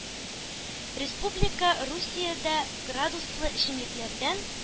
Республика русиядә градуслы эчемлекләрдән